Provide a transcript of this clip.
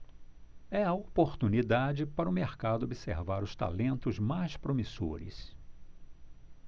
é a oportunidade para o mercado observar os talentos mais promissores